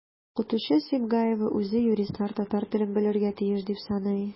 Укытучы Сибгаева үзе юристлар татар телен белергә тиеш дип саный.